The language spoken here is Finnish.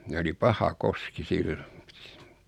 siinä oli paha koski silloin